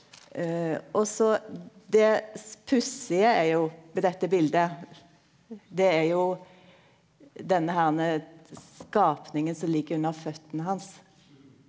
også det pussige er jo med dette bildet det er jo denne herne skapningen som ligg under føtene hans.